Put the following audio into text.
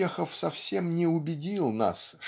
Чехов совсем не убедил нас